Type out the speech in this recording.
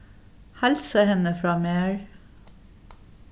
heilsa henni frá mær